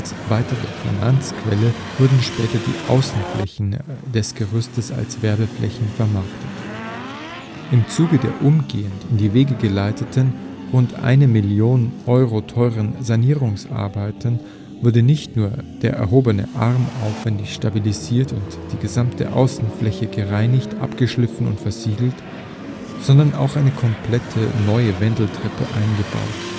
weitere Finanzquelle wurden später die Außenflächen des Gerüsts als Werbeflächen vermarktet. Im Zuge der umgehend in die Wege geleiteten, rund eine Million Euro teuren Sanierungsarbeiten wurde nicht nur der erhobene Arm aufwendig stabilisiert und die gesamte Außenfläche gereinigt, abgeschliffen und versiegelt, sondern auch eine komplett neue Wendeltreppe eingebaut